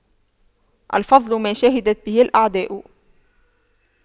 الفضل ما شهدت به الأعداء